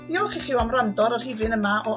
Diolch i chi am wrando ar y rhifyn yma o...